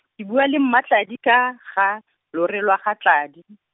ke bua le Mmatladi ka, ga, lore lwa ga Tladi.